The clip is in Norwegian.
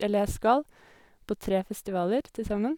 eller Jeg skal på tre festivaler til sammen.